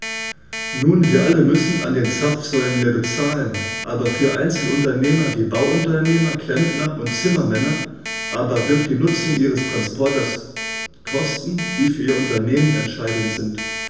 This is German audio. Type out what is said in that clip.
Nun wir alle müssen an den Zapfsäulen mehr bezahlen, aber für Einzelunternehmer wie Bauunternehmer, Klempner und Zimmermänner aber birgt die Nutzung ihres Transporters Kosten, die für ihr Unternehmen entscheidend sind.